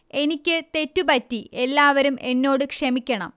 എനിക്ക് തെറ്റു പറ്റി എല്ലാവരും എന്നോട് ക്ഷമിക്കണം